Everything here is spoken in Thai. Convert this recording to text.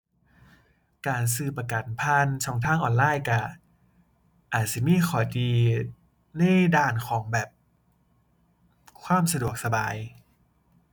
การซื้อประกันผ่านช่องทางออนไลน์ ก็อาจสิมีข้อดีในด้านของแบบความสะดวกสบาย